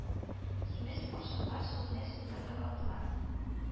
Симез карчыклар сүгенә-сүгенә таралдылар.